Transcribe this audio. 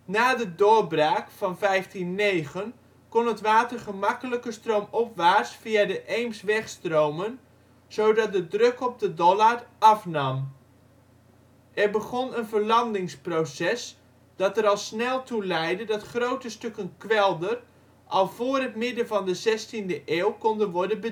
de doorbraak van 1509 kon het water gemakkelijker stroomopwaarts via de Eems wegstromen zodat de druk op de Dollard afnam. Er begon een verlandingsproces dat er al snel toe leidde dat grote stukken kwelder al vóór het midden van de zestiende eeuw konden worden